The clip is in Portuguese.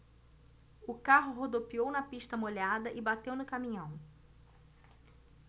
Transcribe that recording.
o carro rodopiou na pista molhada e bateu no caminhão